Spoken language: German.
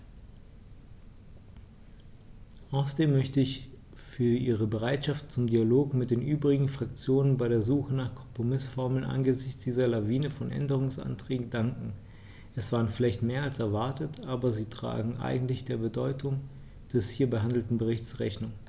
Außerdem möchte ich ihr für ihre Bereitschaft zum Dialog mit den übrigen Fraktionen bei der Suche nach Kompromißformeln angesichts dieser Lawine von Änderungsanträgen danken; es waren vielleicht mehr als erwartet, aber sie tragen eigentlich der Bedeutung des hier behandelten Berichts Rechnung.